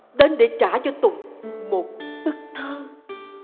đến để trả cho tùng một bức thơ